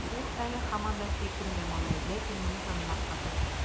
Ул әле һаман да сөйкемле малай, ләкин моны танымаска тырыша.